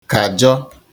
kàjọ